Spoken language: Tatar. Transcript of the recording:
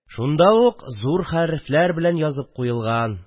Шунда ук зур хәрефләр белән язып куелган